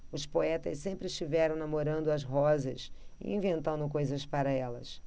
os poetas sempre estiveram namorando as rosas e inventando coisas para elas